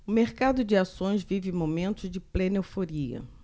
o mercado de ações vive momentos de plena euforia